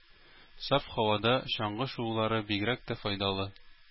Саф һавада чаңгы шуулары бигрәк тә файдалы.